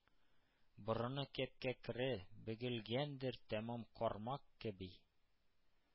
Борыны кәп-кәкре — бөгелгәндер тәмам кармак кеби;